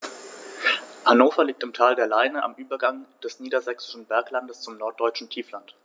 Hannover liegt im Tal der Leine am Übergang des Niedersächsischen Berglands zum Norddeutschen Tiefland.